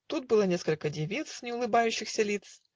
Тут было несколько девиц, Не улыбающихся лиц